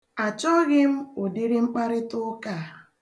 Achọghị m ụdịrị mkparịtụụka a.